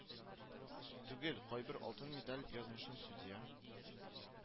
Түгел, кайбер алтын медаль язмышын судья